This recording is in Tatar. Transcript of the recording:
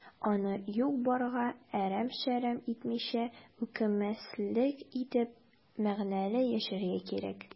Аны юк-барга әрәм-шәрәм итмичә, үкенмәслек итеп, мәгънәле яшәргә кирәк.